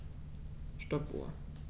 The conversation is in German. Stoppuhr.